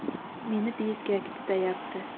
meni bezgak tutayapti